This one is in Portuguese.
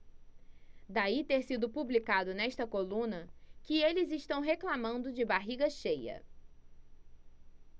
daí ter sido publicado nesta coluna que eles reclamando de barriga cheia